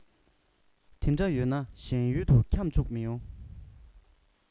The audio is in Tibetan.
དེ འདྲ ཡོད ན གཞན ཡུལ དུ ཁྱམས བཅུག མི ཡོང